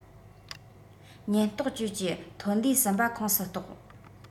ཉེན རྟོག ཅུའུ ཀྱི ཐོན ལས གསུམ པ ཁོངས སུ གཏོགས